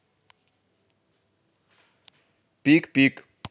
пик пик